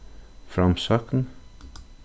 framsókn